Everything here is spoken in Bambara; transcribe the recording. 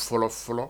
Fɔlɔ fɔlɔ